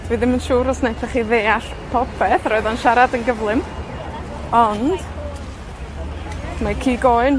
Fi ddim yn siŵr os naethoch chi ddeall popeth. Roedd o'n siarad yn gyflym, ond, mae cig oen